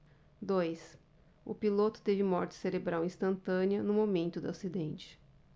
dois o piloto teve morte cerebral instantânea no momento do acidente